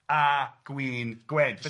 a gwin gwend.